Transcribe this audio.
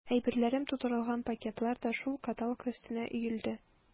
Әйберләрем тутырылган пакетлар да шул каталка өстенә өелде.